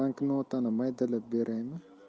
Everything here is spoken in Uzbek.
banknotani maydalab beraymi